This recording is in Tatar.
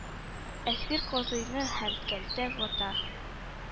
Әсир, казыйны һәм Кәлтә Гата